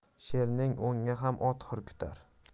sherning o'hgi ham ot hurkitar